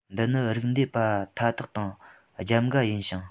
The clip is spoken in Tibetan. འདི ནི རིགས འདེད པ མཐའ དག དང རྒྱབ འགལ ཡིན ཞིང